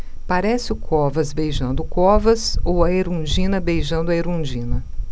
parece o covas beijando o covas ou a erundina beijando a erundina